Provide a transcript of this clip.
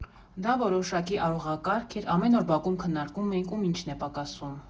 Դա որոշակի արարողակարգ էր, ամեն օր բակում քննարկում էինք՝ ում ինչն ա է պակասում։